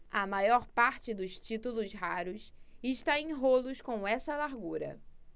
a maior parte dos títulos raros está em rolos com essa largura